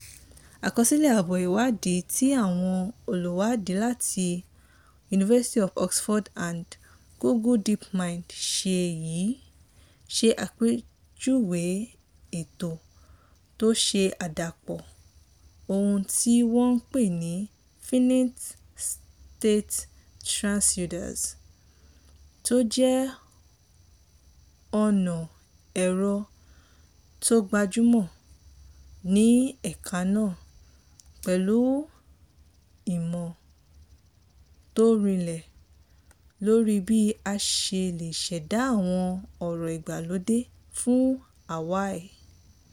Àkọsílẹ̀ àbọ̀ ìwádìí tí àwọn olùwádìí láti University of Oxford and Google Deep Mind ṣe yìí, ṣe àpèjúwe ètò tó ṣe àdàpọ̀ ohun tí wọ́n ń pè ní “finite state transducers”, tó jẹ́ ọ̀nà ẹ̀rọ tó gbajúmọ̀ ní ẹ̀ka nàá, pẹ̀lú ìmọ̀ tó rinlẹ̀ lóri bí a ṣe lè ṣẹ̀da àwọn ọ̀rọ̀ ìgbàlódé fún Hawaii.